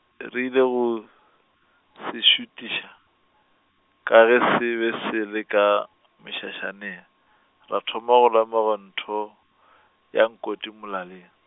re ile go, se šutiša, ka ge se be se le ka, mešašaneng, ra thoma go lemoga ntho , ya nkoti molaleng.